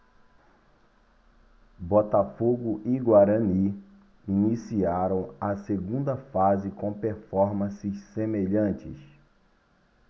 botafogo e guarani iniciaram a segunda fase com performances semelhantes